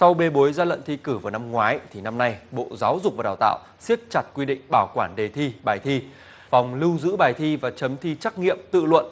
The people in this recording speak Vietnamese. sau bê bối gian lận thi cử vào năm ngoái thì năm nay bộ giáo dục và đào tạo siết chặt quy định bảo quản đề thi bài thi phòng lưu giữ bài thi và chấm thi trắc nghiệm tự luận